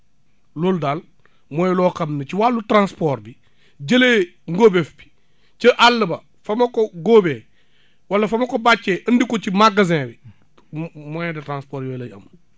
loolu daal mooy loo xam ne ci wàllu transport bi jëlee ngóobéef bi ca àll ba fa ma ko góobee wala fa ma ko bàccee andi ko ci magasin bi moyen de transport yooyu la ñu am